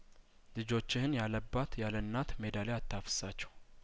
ልጆችህን ያለባት ያለእናት ሜዳ ላይ አታፍ ሳቸው